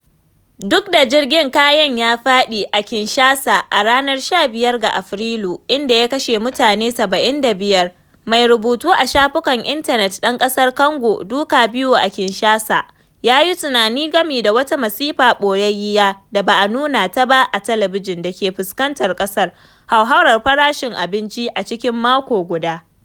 Duk da jirgin kayan ya faɗi a Kinshasa a ranar 15 ga Afrilu, inda ya kashe mutane 75, mai rubutu a shafukan intanet ɗan ƙasar Kwango Du Cabiau à Kinshasa, ya yi tunani game da wata masifa ɓoyayya da ba a nuna ta ba a talabijin dake fuskantar ƙasar: hauhawar farashin abinci a cikin mako guda..